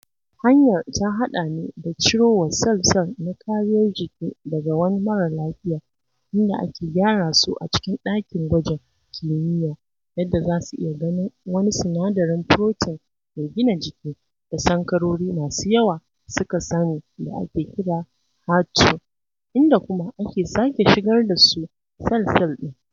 Hanyar ta haɗa ne da cirowa sel-sel na kariyar jiki daga wani marar lafiya, inda ake gyara su a cikin ɗakin gwajin kimiyya yadda za su iya “ganin” wani sinadarin protein mai gina jiki da sankarori masu yawa suka sani da ake kira HER2, inda kuma ake sake shigar da su sel-sel ɗin.